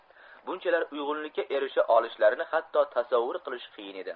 bunchalar uyg'unlikka erisha olishlarini hatto tasavvur qilish qiyin edi